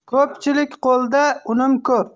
ko'pchilik qo'lda unum ko'p